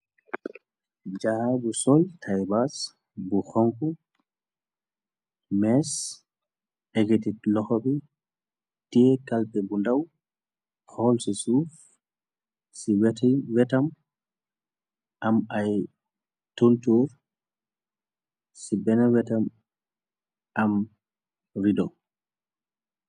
Jaa bu sol taybaas bu xonk, mees , egetit loxo bi tée kalpe bu ndaw , xool ci suuf ci wetam am ay tuntu ci benn wetam am rido.